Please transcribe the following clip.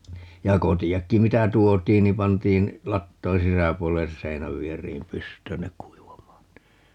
ja kotiakin mitä tuotiin niin pantiin latojen sisäpuolelle seinänvieriin pystyyn ne kuivamaan niin